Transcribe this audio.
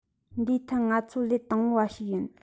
འདིའི ཐད ལ ང ཚོ ལས དང པོ བ ཞིག ཡིན